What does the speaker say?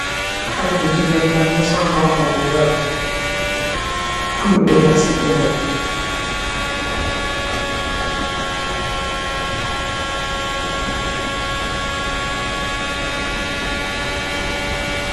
Xalèh bu gigeen ba ngi sol róbba bu werta, am lu wèèx ci denabi.